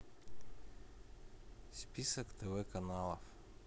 список тв каналов